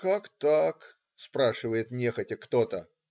"Как так?" - спрашивает нехотя кто-то.